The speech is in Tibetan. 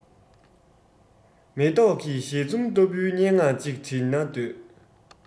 མེ ཏོག གི བཞད འཛུམ ལྟ བུའི སྙན ངག ཅིག འབྲི ན འདོད